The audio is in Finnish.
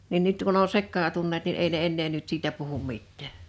niin nyt kun on sekaantuneet niin ei ne enää nyt siitä puhu mitään